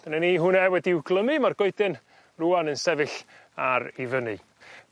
dyna ni hwnne wedi i'w glymu ma'r goedyn rŵan yn sefyll ar 'i fyny.